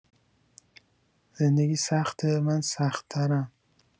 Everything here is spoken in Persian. زندگی سخته، من سختترم.